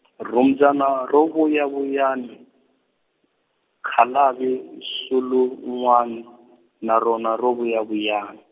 rhumbyana ro vuyavuyani, khalavi nsululwani, na rona ro vuyavuyan-.